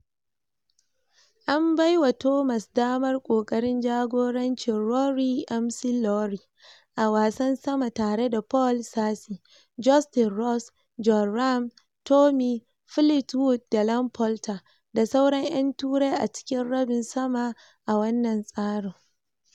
An baiwa Thomas damar kokarin jagorancin Rory McIlroy a wasan sama tare da Paul Casey, Justin Rose, Jon Rahm, Tommy Fleetwood da Ian Poulter da sauran 'yan Turai a cikin rabin sama a wannan tsarin.